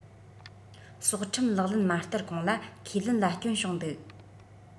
སྲོག ཁྲིམས ལག ལེན མ བསྟར གོང ལ ཁས ལེན ལ སྐྱོན བྱུང འདུག